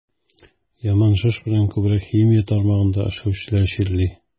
Яман шеш белән күбрәк химия тармагында эшләүчеләр чирли.